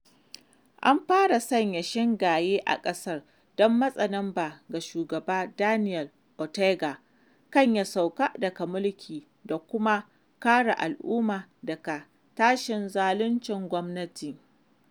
An fara sanya shingaye a ƙasar don matsa lamba ga Shugaba Daniel Ortega kan ya sauka daga mulki dakuma kare al’umma daga tashin zaluncin gwamnati.